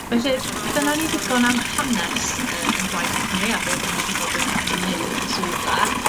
Felly dyna ni ddigon am hanes yy 'yn gwaith ni a be' 'dan ni 'di bod yn yn 'i neud yn y swyddfa